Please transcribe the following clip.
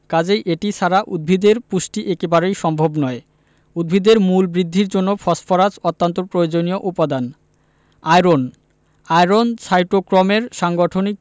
কাজেই এটি ছাড়া উদ্ভিদের পুষ্টি একেবারেই সম্ভব নয় উদ্ভিদের মূল বৃদ্ধির জন্য ফসফরাস অত্যন্ত প্রয়োজনীয় উপাদান আয়রন আয়রন সাইটোক্রোমের সাংগঠনিক